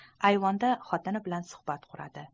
ayvonda xotini bilan suhbat quradi